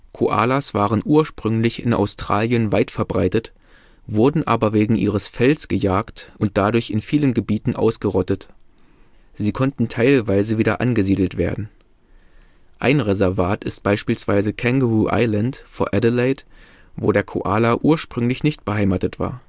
Koalas waren ursprünglich in Australien weit verbreitet, wurden aber wegen ihres Fells gejagt und dadurch in vielen Gebieten ausgerottet. Sie konnten teilweise wieder angesiedelt werden. Ein Reservat ist beispielsweise Kangaroo Island vor Adelaide, wo der Koala ursprünglich nicht beheimatet war